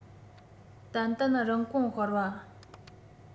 ཏན ཏན རིན གོང སྤར བ